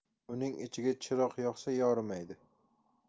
uning ichiga chiroq yoqsa yorimaydi